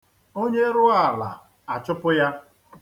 Onye rụọ ala, a chụpụ ya.